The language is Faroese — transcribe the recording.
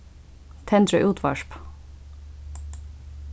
tendra útvarp